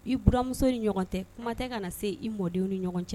I bmuso ni ɲɔgɔn cɛ kuma tɛ kana na se i mɔden ni ɲɔgɔn cɛ